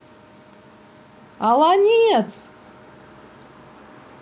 олонец